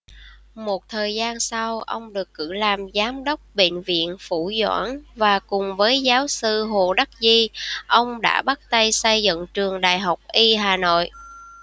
một thời gian sau ông được cử làm giám đốc bệnh viện phủ doãn và cùng với giáo sư hồ đắc di ông đã bắt tay xây dựng trường đại học y hà nội